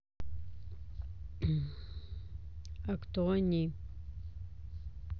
а кто они